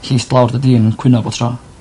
Lle ista lawr dy dîn cwyno bo' tro.